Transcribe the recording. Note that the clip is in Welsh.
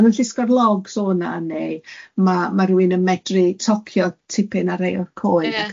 Ma' n'w'n llusgo'r logs o'na, neu ma' ma' rywun yn medru tocio tipyn ar rei o'r coed